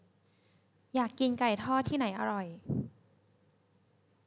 อยากกินไก่ทอดที่ไหนอร่อย